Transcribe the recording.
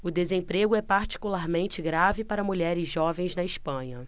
o desemprego é particularmente grave para mulheres jovens na espanha